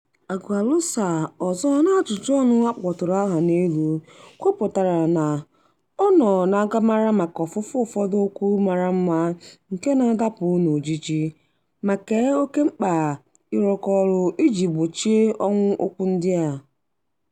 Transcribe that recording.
Agualusa, ọzọ n'ajụjụọnụ a kpọtụrụ aha n'elu, kwupụtara na "ọ nọ na agammara maka ofufu ụfọdụ okwu mara mma nke na-adapụ n'ojiji" ma kee oke mkpa ịrụkọ ọrụ iji gbochie ọnwụ okwu ndị a".